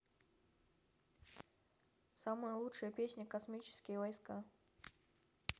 самая лучшая песня космические войска